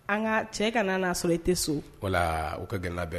An ka cɛ ka na sɔrɔ i tɛ so wala u ka gɛlɛn labɛn